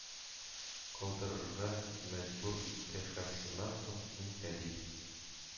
Калдырырга мәҗбүр итте, һәм шуннан соң мин әдип